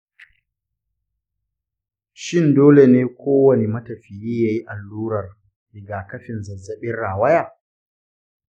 shin dole ne ga kowane matafiyi yayi allurar rigakafin zazzabin rawaya?